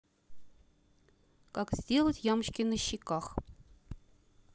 как сделать ямочки на щеках